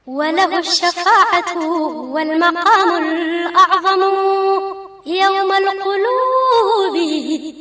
Walimadugu walima yama